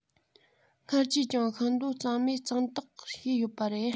སྔར ཅིས ཀྱང ཤིང སྡོང རྩ མེད གཙང དག བྱས ཡོད པ རེད